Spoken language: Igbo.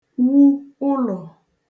wu ụlọ̀